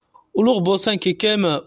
ulug' bo'lsang kekkayma